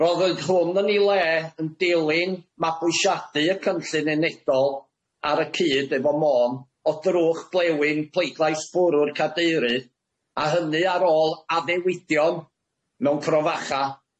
Roddydd hwn yn ei le yn dilyn mabwysiadu y cynllun unedol ar y cyd efo môn o drwch blewyn pleidlais bwrwr Cadeirydd a hynny ar ôl addewidion mewn crofacha